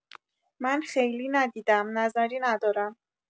من خیلی ندیدم، نظری ندارم.